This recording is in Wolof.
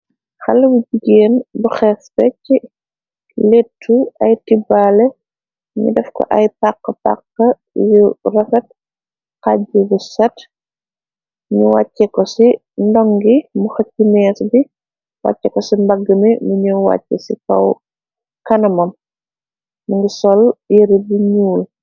Xala wi jigeen buxee spe c, lettu ay tibaale, ni daf ko ay pàxq pakq yu rëfet, xaj bu set, ñu wàcce ko ci ndongi muxa ci, nees bi wàcce ko ci mbagg mi, luñu wàcc ci awkanamom, mingi sol yërë bi ñuul.